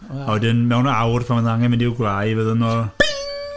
Wel... A wedyn, mewn awr pan fyddan nhw angen mynd i'w gwlâu fyddan nhw... Bing!